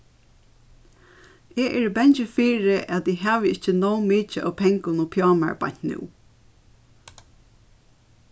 eg eri bangin fyri at eg havi ikki nóg mikið av pengum uppi á mær beint nú